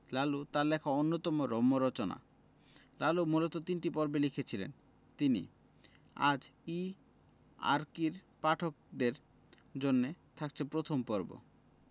লালু তার লেখা অন্যতম রম্য রচনা লালু মূলত তিনটি পর্বে লিখেছিলেন তিনি আজ ই আরকির পাঠকদের জন্যে থাকছে প্রথম পর্ব